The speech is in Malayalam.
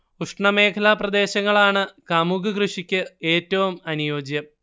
ഉഷ്ണമേഖലാപ്രദേശങ്ങളാണ് കമുക് കൃഷിക്ക് ഏറ്റവും അനുയോജ്യം